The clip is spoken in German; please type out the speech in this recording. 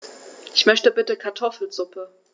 Ich möchte bitte Kartoffelsuppe.